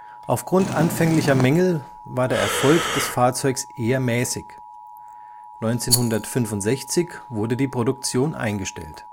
Aufgrund anfänglicher Mängel war der Erfolg des Fahrzeugs eher mäßig. 1965 wurde die Produktion eingestellt